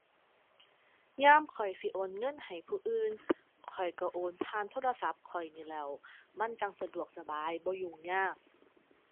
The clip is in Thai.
ยามข้อยสิโอนเงินให้ผู้อื่น ข้อยก็โอนผ่านโทรศัพท์ข้อยนี่แหล้ว มันจั่งสะดวกสบาย บ่ยุ่งยาก